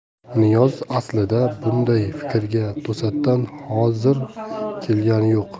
niyoz aslida bunday fikrga to'satdan hozir kelgani yo'q